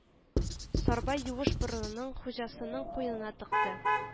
Сарбай юеш борынын хуҗасының куенына тыкты